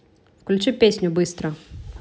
включи песню быстро